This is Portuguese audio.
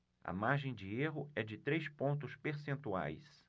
a margem de erro é de três pontos percentuais